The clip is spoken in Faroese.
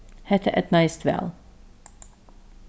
hetta eydnaðist væl